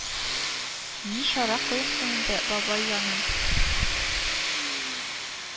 Ни чара кылыйм соң инде, бабай җаным